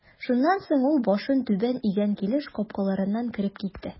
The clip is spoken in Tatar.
Шуннан соң ул башын түбән игән килеш капкаларыннан кереп китте.